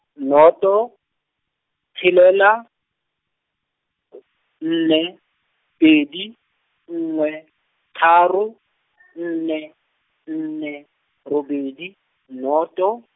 nnoto, tshelela, nne, pedi, nngwe, tharo, nne, nne, robedi, nnoto.